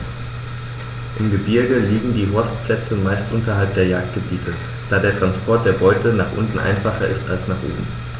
Im Gebirge liegen die Horstplätze meist unterhalb der Jagdgebiete, da der Transport der Beute nach unten einfacher ist als nach oben.